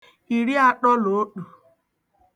ìri àṭọ là oṭù